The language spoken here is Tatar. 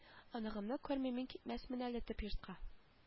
Оныгымны күрми мин китмәсмен әле төп йортка